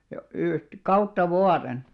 - kautta vuoden